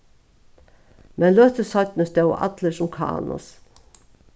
men løtu seinni stóðu allir sum kánus